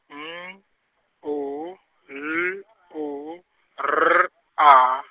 M O L O R A.